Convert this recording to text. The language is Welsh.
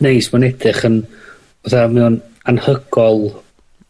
neis. Ma'n edrych yn fel mae o'n anhygol,